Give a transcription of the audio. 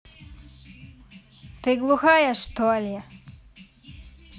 ты глухая что ли